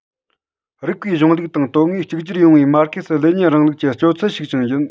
རིགས པའི གཞུང ལུགས དང དོན དངོས གཅིག གྱུར ཡོང བའི མར ཁེ སི ལེ ཉིན རིང ལུགས ཀྱི སྤྱོད ཚུལ ཞིག ཀྱང ཡིན